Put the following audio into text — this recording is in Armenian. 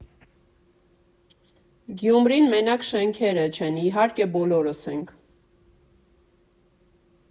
Գյումրին մենակ շենքերը չեն, իհարկե, բոլորս ենք։